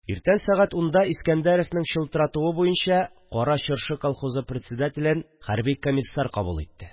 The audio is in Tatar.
Иртән сәгать унда Искәндәревнең чылтыратуы буенча Кара Чыршы колхозы председателен хәрби комиссар кабул итте